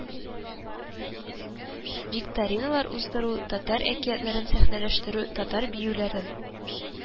Викториналар уздыру; татар əкиятлəрен сəхнəлəштерү, татар биюлəрен